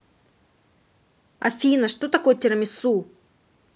афина что такое тирамису